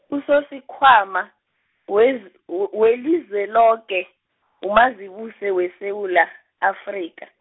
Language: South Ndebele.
uSosikhwama, wez- w- welizwe loke, uMazibuse weSewula, Afrika.